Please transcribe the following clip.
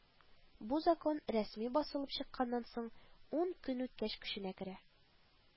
Бу Закон рәсми басылып чыкканнан соң ун көн үткәч көченә керә